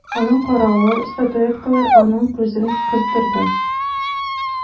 Аның каравы статуэткалар аның күзен кыздырды.